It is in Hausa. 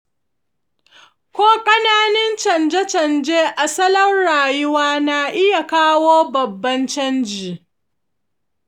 ko ƙananan canje-canje a salon rayuwa na iya kawo babban canji.